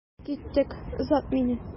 Киттек, озат мине.